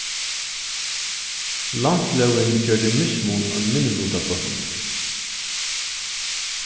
landslógin gjørdi mismun á minnilutabólkunum